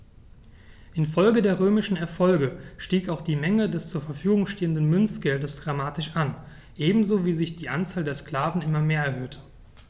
Infolge der römischen Erfolge stieg auch die Menge des zur Verfügung stehenden Münzgeldes dramatisch an, ebenso wie sich die Anzahl der Sklaven immer mehr erhöhte.